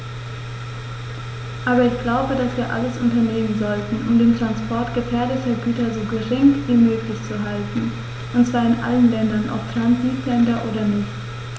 Aber ich glaube, dass wir alles unternehmen sollten, um den Transport gefährlicher Güter so gering wie möglich zu halten, und zwar in allen Ländern, ob Transitländer oder nicht.